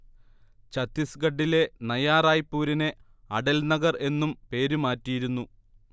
ഛത്തീസ്ഗഢിലെ നയാ റായ്പുരിനെ അടൽ നഗർ എന്നും പേരുമാറ്റിയിരുന്നു